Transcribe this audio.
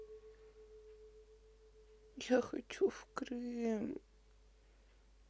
я хочу в крым